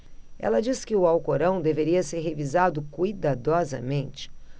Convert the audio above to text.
ela disse que o alcorão deveria ser revisado cuidadosamente